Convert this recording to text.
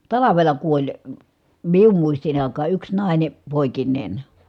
talvella kuoli minun muistin aikaan yksi nainen poikineen